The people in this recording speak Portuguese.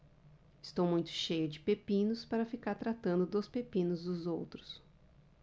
estou muito cheio de pepinos para ficar tratando dos pepinos dos outros